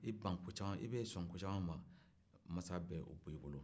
i bɛ ban ko caman ma i bɛ son ko caman ma maasa b'o bolo